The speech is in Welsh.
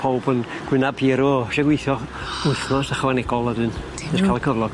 Powb yn gwynab hir o. isia gweithio wythnos ychwanegol wedyn... Dim 'n... ...nes ca'l y cyflog.